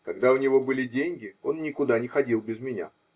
Когда у него были деньги, он никуда не ходил без меня